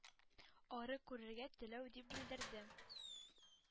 Ары күрергә теләү дип белдерде.